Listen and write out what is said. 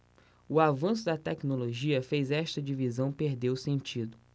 o avanço da tecnologia fez esta divisão perder o sentido